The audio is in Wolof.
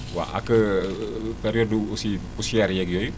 waaw ak période aussi poussières yeeg yooyu